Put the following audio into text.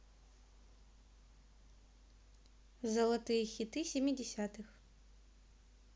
золотые хиты семидесятых